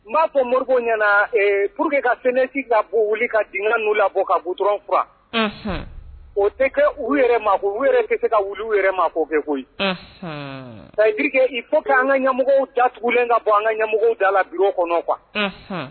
N b'a fɔ morik ɲɛna pur que ka ffin ka bon wuli ka dra'u la bɔ ka butfuran o tɛ kɛ u yɛrɛ ma tɛ se ka wuw yɛrɛ ma kɛ koyike i ko ka an ka ɲamɔgɔ daugulen ka bɔ an ka ɲamɔgɔ da la bi kɔnɔ kuwa